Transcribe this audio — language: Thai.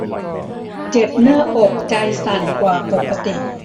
เจ็บหน้าอกใจสั่นกว่าปกติ